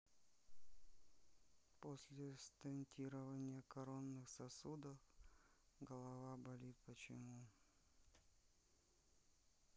после стентирования коронных сосудов голова болит почему